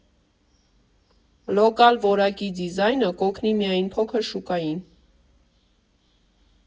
Լոկալ որակի դիզայնը կօգնի միայն փոքր շուկային։